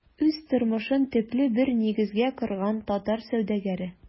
Үз тормышын төпле бер нигезгә корган татар сәүдәгәре.